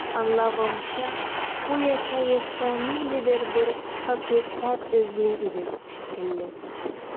Аңлавымча, бу яшәештән ниндидер бер хакыйкать эзли идең шикелле.